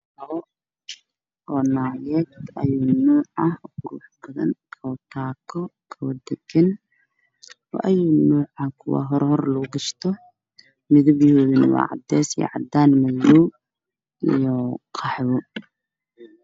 Waa kabo ayi nooc ah oo badan oo taako oo dagan oo ayi nooc ah kuwa horay horay loo gashto midabyahoodu waa caday iyo cadaan iyo madow iyo khaxwi